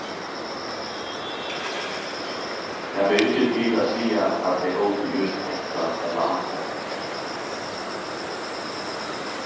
tað ber ikki til at siga at tey ótu júst hetta ella hatta